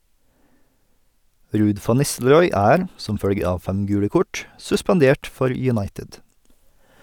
Ruud van Nistelrooy er, som følge av fem gule kort, suspendert for United.